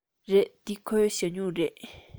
རེད འདི ཁོའི ཞ སྨྱུག རེད